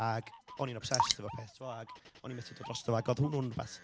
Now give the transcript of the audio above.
Ac o'n i'n obsessed efo'r peth, tibod, ac o'n i methu dod drosto fo ac oedd hwnnw'n rywbeth...